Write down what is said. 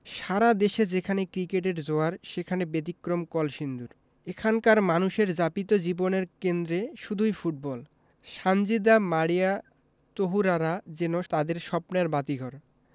সারা দেশে যেখানে ক্রিকেটের জোয়ার সেখানে ব্যতিক্রম কলসিন্দুর এখানকার মানুষের যাপিত জীবনের কেন্দ্রে শুধুই ফুটবল সানজিদা মারিয়া তহুরারা যেন তাদের স্বপ্নের বাতিঘর